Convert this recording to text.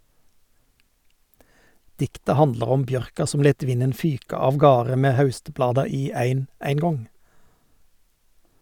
Diktet handlar om bjørka som let vinden fyka avgarde med haustblada i ein eingong.